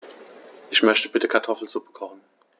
Ich möchte bitte Kartoffelsuppe kochen.